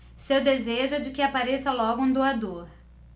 seu desejo é de que apareça logo um doador